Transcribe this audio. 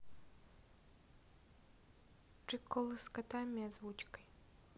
приколы с котами озвучкой